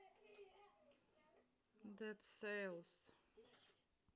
дэд сэйлз